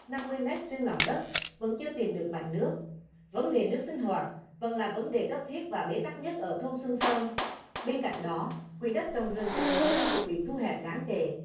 năm mươi mét xuyên lòng đất vẫn chưa tìm được mạch nước vấn đề nước sinh hoạt vẫn là vấn đề cấp thiết và bế tắc nhất ở thôn xuân sơn bên cạnh đó quỹ đất trồng rừng của người dân cũng bị thu hẹp đáng kể